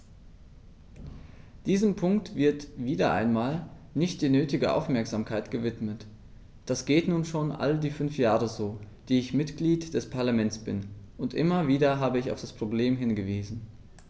Diesem Punkt wird - wieder einmal - nicht die nötige Aufmerksamkeit gewidmet: Das geht nun schon all die fünf Jahre so, die ich Mitglied des Parlaments bin, und immer wieder habe ich auf das Problem hingewiesen.